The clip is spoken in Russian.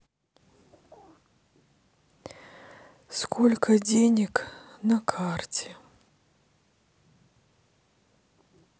сколько денег на карте